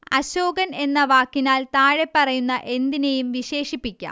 അശോകൻ എന്ന വാക്കിനാൽ താഴെപ്പറയുന്ന എന്തിനേയും വിശേഷിപ്പിക്കാം